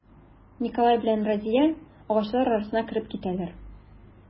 Николай белән Разия агачлар арасына кереп китәләр.